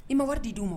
I ma wari diu ma